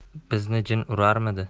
bizni jin urarmidi